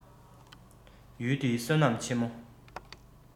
ཡུལ འདི བསོད ནམས ཆེན མོ